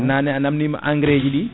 naane a namdima engrais ji ɗi